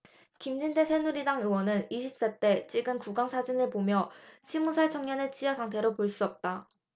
김진태 새누리당 의원은 이십 세 때 찍은 구강 사진을 보면 스무살 청년의 치아 상태로 볼 수 없다